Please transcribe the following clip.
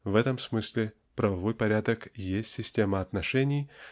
В этом смысле правовой порядок есть система отношений